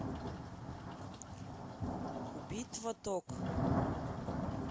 битва ток